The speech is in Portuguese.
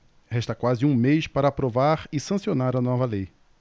resta quase um mês para aprovar e sancionar a nova lei